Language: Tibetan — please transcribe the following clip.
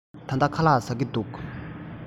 ད ལྟ ཁ ལག ཟ གི འདུག